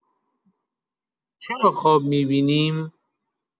چرا خواب می‌بینیم؟